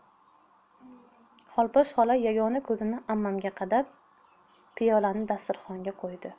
xolposh xola yagona ko'zini ammamga qadab piyolani dasturxonga qo'ydi